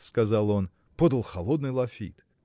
– сказал он, – подал холодный лафит.